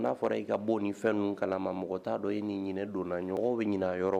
N'a fɔra' ka bɔ ni fɛn kalama mɔgɔ t'a dɔ e nin ɲinin donna mɔgɔw bɛ ɲinin yɔrɔ